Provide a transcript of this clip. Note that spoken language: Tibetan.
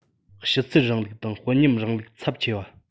ཕྱི ཚུལ རིང ལུགས དང དཔོན ཉམས རིང ལུགས ཚབས ཆེ བ